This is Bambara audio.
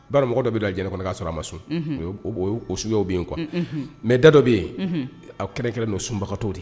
Bamɔgɔ dɔ bɛ da j kɔnɔkan sɔrɔ ma sɔnsuyw bɛ yen kuwa mɛ da dɔ bɛ yen a kɛlenrɛnkɛ n'o sunbagakatɔ di